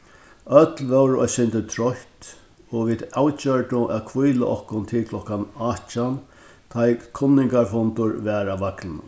øll vóru eitt sindur troytt og vit avgjørdu at hvíla okkum til klokkan átjan tá ið kunningarfundur var á vaglinum